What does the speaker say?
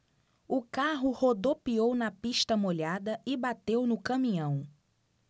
o carro rodopiou na pista molhada e bateu no caminhão